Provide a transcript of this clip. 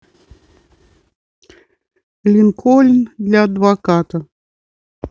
линкольн для адвоката